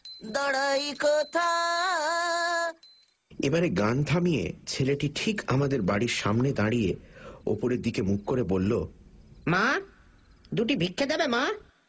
দাঁড়াই কোথা এবার গান থামিয়ে ছেলেটি ঠিক আমাদের বাড়ির সামনে দাঁড়িয়ে উপরের দিকে মুখ করে বলল মা দুটি ভিক্ষে দেবে মা